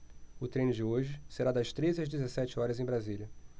o treino de hoje será das treze às dezessete horas em brasília